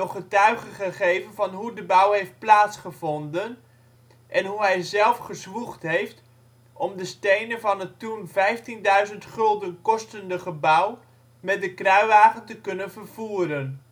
getuige gegeven van hoe de bouw heeft plaatsgevonden en hoe hij zelf gezwoegd heeft om de stenen van het toen ƒ15.000, - kostende gebouw met de kruiwagen te kunnen vervoeren